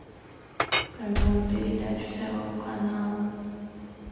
программа передач второго канала